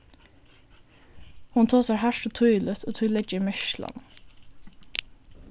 hon tosar hart og týðiligt og tí leggi eg merki til hana